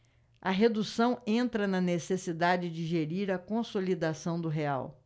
a redução entra na necessidade de gerir a consolidação do real